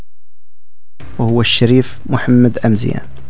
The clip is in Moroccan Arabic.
هو الشريف محمد امزيان